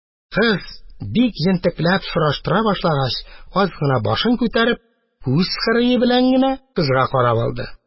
Кыз бик җентекләп сораштыра башлагач, аз гына башын күтәреп, күз кырые белән генә кызга карап алды.